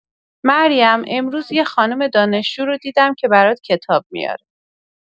مریم امروز یه خانم دانشجو رو دیدم که برات کتاب میاره.